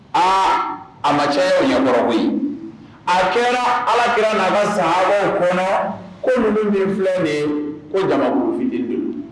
A a ma cɛ o ɲɛkɔrɔ koyi a kɛra alaki' ka sa in kɔnɔ ko ninnu ye filɛ de ko jamakurufi de don